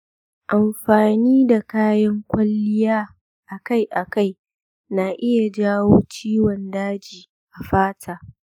amfani da kayan kwalliya akai-akai na iya jawo ciwon daji a fata.